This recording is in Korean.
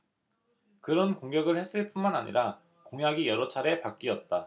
그런 공격을 했을 뿐만 아니라 공약이 여러 차례 바뀌었다